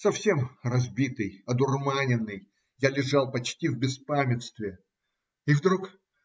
Совсем разбитый, одурманенный, я лежал почти в беспамятстве. Вдруг.